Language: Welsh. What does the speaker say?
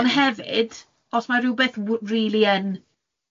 ...ond hefyd os ma' rywbeth w- rili yn